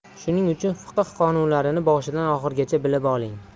shuning uchun fiqh qonunlarini boshidan oxirigacha bilib oling